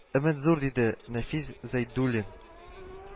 Өмет зур, диде нәфис зәйдуллин